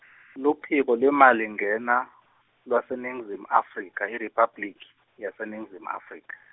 Luphiko lweMalingena lwaseNingizimu Afrika IRiphabliki yaseNingizimu Afrika.